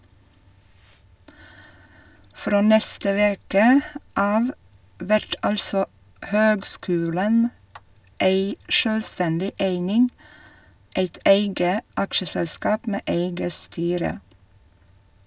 Frå neste veke av vert altså høgskulen ei sjølvstendig eining, eit eige aksjeselskap med eige styre.